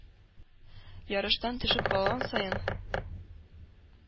Ярыштан төшеп калган саен,